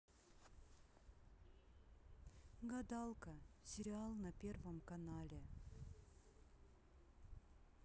гадалка сериал на первом канале